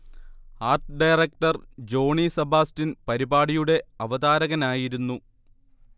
art director Johnny Sebastian പരിപാടിയുടെ അവതാരകനായിരുന്നു